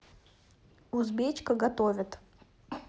узбечка готовит